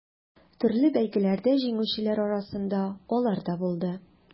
Төрле бәйгеләрдә җиңүчеләр арасында алар да булды.